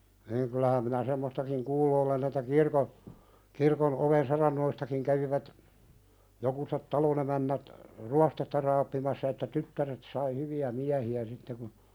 niin kyllähän minä semmoistakin kuullut olen että kirkon kirkon oven saranoistakin kävivät jokuset talonemännät ruostetta raapimassa että tyttäret sai hyviä miehiä sitten kun